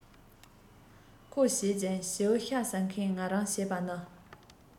ཁོ བྱེད ཅིང བྱིའུ ཤ ཟ མཁན ང རང བྱེད པ ནི